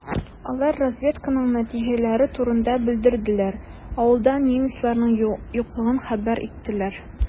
Алар разведканың нәтиҗәләре турында белдерделәр, авылда немецларның юклыгын хәбәр иттеләр.